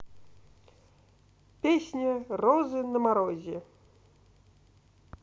песня розы на морозе